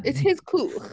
It's his cwch.